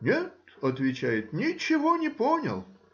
— Нет,— отвечает,— ничего не понял.